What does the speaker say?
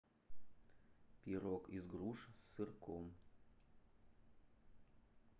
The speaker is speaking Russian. пирог из груш с сырком